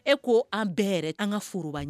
E ko an bɛɛ yɛrɛ an ka foroba